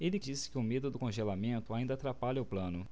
ele disse que o medo do congelamento ainda atrapalha o plano